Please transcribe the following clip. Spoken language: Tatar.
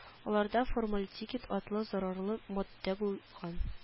Аларда формальдигид атлы зарарлы матдә булган